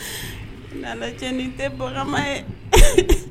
Nana cɛ ni tɛ baganma ye